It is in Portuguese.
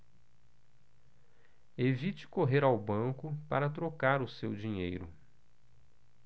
evite correr ao banco para trocar o seu dinheiro